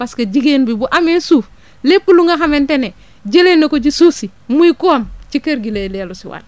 parce que jigéen bi bu amee suuf lépp lu nga xamante ne jëlee na ko ci suuf si muy koom ci kër gi lay dellusiwaat